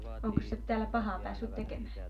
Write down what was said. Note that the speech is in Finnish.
onkos se täällä pahaa päässyt tekemään